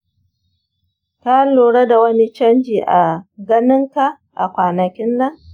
ka lura da wani canji a ganinka a kwanakin nan?